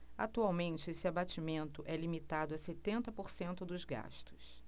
atualmente esse abatimento é limitado a setenta por cento dos gastos